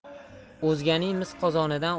o'zganing mis qozonidan